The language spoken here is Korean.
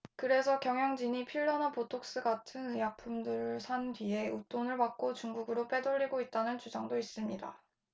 그래서 경영진이 필러나 보톡스 같은 의약품들을 산 뒤에 웃돈을 받고 중국으로 빼돌리고 있다는 주장도 있습니다